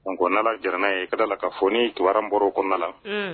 N ko' jara n'a ye ka la ka fɔoni tura bɔra kɔnɔna la